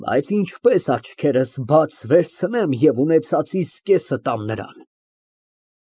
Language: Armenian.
Բայց ինչպե՞ս աչքերս բաց վերցնեմ և ունեցածիս կեսը տամ նրան։